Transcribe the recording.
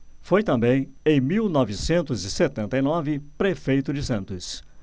foi também em mil novecentos e setenta e nove prefeito de santos